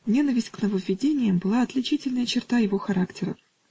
Ненависть к нововведениям была отличительная черта его характера.